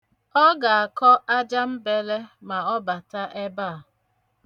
Ọ ga-akọ ajambele ma ọ bata ebe a.